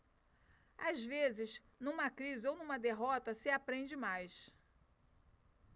às vezes numa crise ou numa derrota se aprende mais